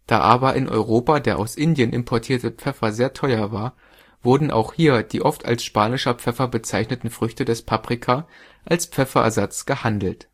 aber in Europa der aus Indien importierte Pfeffer sehr teuer war, wurden auch hier die oft als spanischer Pfeffer bezeichneten Früchte des Paprika als Pfefferersatz gehandelt